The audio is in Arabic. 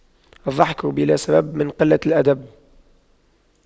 الضحك بلا سبب من قلة الأدب